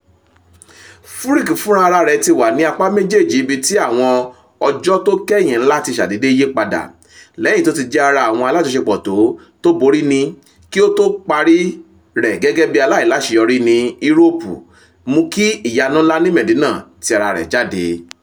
Furyk funra ara rẹ ti wà ní apá méjèèjì ibi ti àwọn ọjọ́ tó kẹ́hìn ńlá ti ṣàdédé yípadà, lẹ́yìn tí ó ti jẹ́ ara àwọn alájọṣepọ̀tó tò borí ní kí ó tó parí rẹ̀ gẹ́gẹ́bí aláìláṣeyọrí ní Yúrópù mú kí “Ìyànu ńlá ní Mẹ̀dínà” ti ara rẹ̀ jáde.